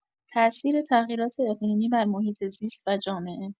تاثیر تغییرات اقلیمی بر محیط‌زیست و جامعه